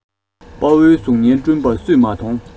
དཔའ བོའི གཟུགས བརྙན བསྐྲུན པ སུས མ མཐོང